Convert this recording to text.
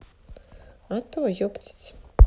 а то ептить